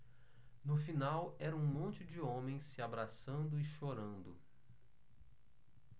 no final era um monte de homens se abraçando e chorando